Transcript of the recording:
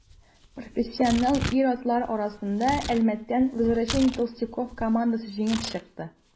Профессионал ир-атлар арасында Әлмәттән «Возвращение толстяков» командасы җиңеп чыкты.